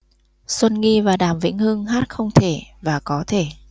xuân nghi và đàm vĩnh hưng hát không thể và có thể